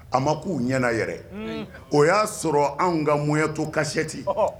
A ma k'u ɲɛna yɛrɛ o y'a sɔrɔ an ka munya to kasɛti